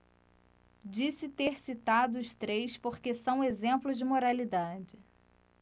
disse ter citado os três porque são exemplos de moralidade